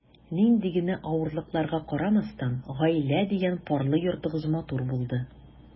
Нинди генә авырлыкларга карамастан, “гаилә” дигән парлы йортыгыз матур булды.